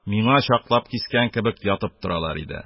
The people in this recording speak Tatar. Миңа чаклап кискән кебек ятып торалар иде.